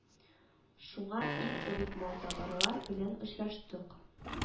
Шуңа иң элек малтабарлар белән очраштык